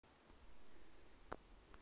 grand monaco итоги квалификации